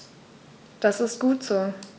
Das ist gut so.